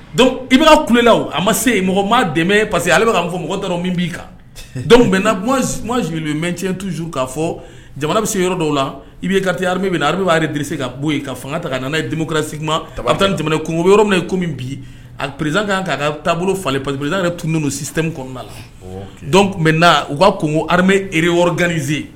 Don i bɛ ka kulela a ma se mɔgɔ maa dɛmɛ parceseke ale bɛ' fɔ mɔgɔ min b'i kan bɛ mɛnc tu k'a fɔ jamana bɛ se yɔrɔ dɔw la i bɛ ka min na a b'a dse ka bɔ yen ka fanga ta nana ye denmisɛnmira sigi bɛ jamana bɛ yɔrɔ min kɔmi bi a perez kan' ka taabolo falen paz yɛrɛ tunun si kɔnɔnada la dɔn tun bɛ u kaa kunko ha ere yɔrɔ gananie